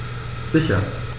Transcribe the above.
Sicher.